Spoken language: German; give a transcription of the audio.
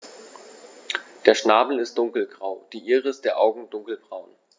Der Schnabel ist dunkelgrau, die Iris der Augen dunkelbraun.